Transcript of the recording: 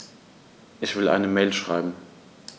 Ich will eine Mail schreiben.